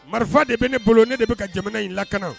Marifa de bɛ ne bolo ne de bɛ ka jamana in lakana